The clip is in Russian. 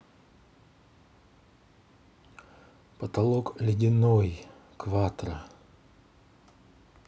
потолок ледяной кватро